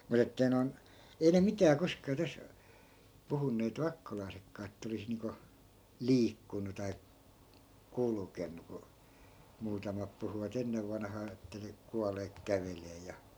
mutta että ei noin ei ne mitään koskaan tästä puhuneet vakkolaisetkaan että olisi niin kuin liikkunut tai kulkenut kun muutamat puhuivat ennen vanhaan että ne kuolleet kävelee ja